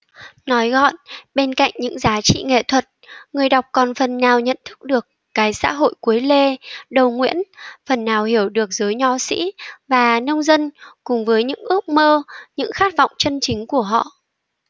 nói gọn bên cạnh những giá trị nghệ thuật người đọc còn phần nào nhận thức được cái xã hội cuối lê đầu nguyễn phần nào hiểu được giới nho sĩ và nông dân cùng với những ước mơ những khát vọng chân chính của họ